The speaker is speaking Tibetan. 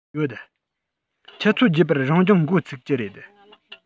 ཡོད ཆུ ཚོད བརྒྱད པར རང སྦྱོང འགོ ཚུགས ཀྱི རེད